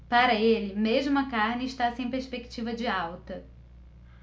para ele mesmo a carne está sem perspectiva de alta